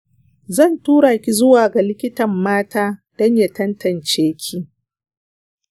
zan turaki zuwa ga likitan mata don ya tantance ki.